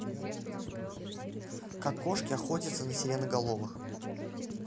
как кошки охотятся на сиреноголовых